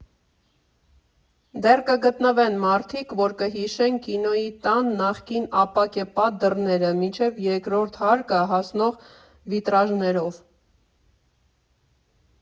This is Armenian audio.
Դեռ կգտնվեն մարդիկ, որ կհիշեն Կինոյի տան նախկին ապակեպատ դռները՝ մինչև երկրորդ հարկը հասնող վիտրաժներով։